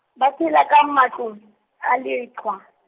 ba phela ka matlung, a leqhwa.